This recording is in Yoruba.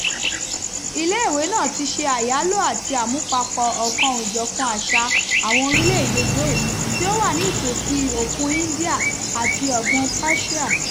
Iléèwé náà ti ṣe àyálò àti àmúpapọ̀ ọ̀kan-ò-jọ̀kan àṣà "àwọn orílẹ̀-èdè dhow", tí ó wà ní ìtòsíi Òkun India àti Ọ̀gbùn-un Persia.